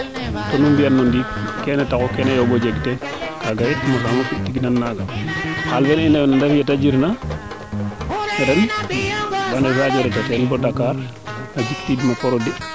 tanu mbiyan no ndiing keene taxu keene yoombo jeg teen kaaga yit mosaamo fi tig nan naaga xaal fe mi yeete jir na ren bo Dakar a jik tik ma produit